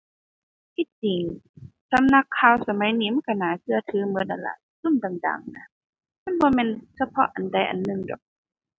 ที่จริง สำนักข่าวสมัยนี้มันก็น่าก็ถือก็นั้นล่ะ ซุมดังดังน่ะ มันบ่แม่นเฉพาะอันใดอันหนึ่งดอก